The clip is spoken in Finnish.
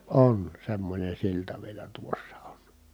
on semmoinen silta vielä tuossa on